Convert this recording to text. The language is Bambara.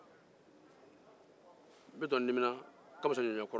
bitɔn dimina kamisa ɲɔɲɔ kɔrɔ